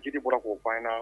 Jiri bɔra k koo ba na